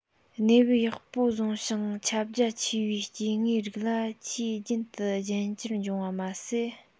གནས བབ ཡག པོ བཟུང ཞིང ཁྱབ རྒྱ ཆེ བའི སྐྱེ དངོས རིགས ལ ཆེས རྒྱུན དུ གཞན འགྱུར འབྱུང བ མ ཟད